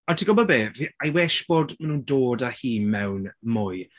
Ond ti'n gwybod be? F- I wish bod ma' nhw'n dod â hi mewn mwy.